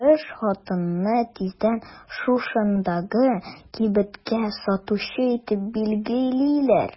Тырыш хатынны тиздән шушындагы кибеткә сатучы итеп билгелиләр.